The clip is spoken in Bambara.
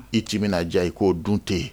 I timinadiya i k'o dun te